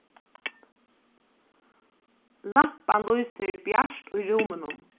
lampan lýsir bjart í rúminum